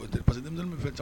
O parce quedi min bɛ fɛ